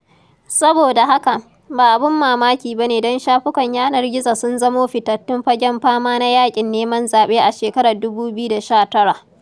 Saboda haka, ba abun mamaki ba ne don shafukan yanar gizo sun zamo fitattun fagen fama na yaƙin neman zaɓe a shekarar 2019.